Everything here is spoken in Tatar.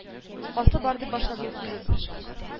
Касы бар, дип башлады ул сүзен